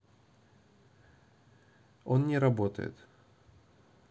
он не работает